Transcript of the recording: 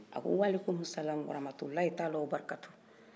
a ko walekumu salamu waramatulilahi taala wa barakatu